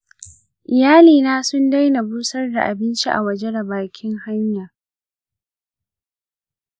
iyalina sun daina busar da abinci a waje a bakin hanya.